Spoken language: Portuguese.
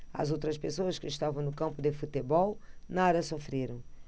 as outras pessoas que estavam no campo de futebol nada sofreram